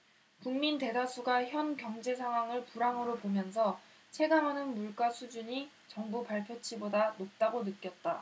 국민 대다수가 현 경제상황을 불황으로 보면서 체감하는 물가 수준이 정부 발표치보다 높다고 느꼈다